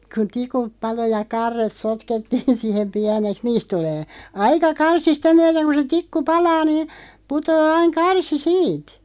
kun tikut paloi ja karret sotkettiin siihen pieneksi niistä tulee aika karsi sitä myöden kuin se tikku palaa niin putoaa aina karsi siitä